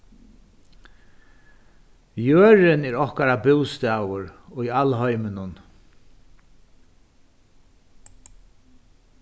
jørðin er okkara bústaður í alheiminum